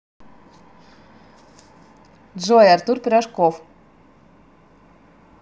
джой артур пирожков